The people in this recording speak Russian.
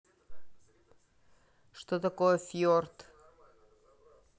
что такое фьорд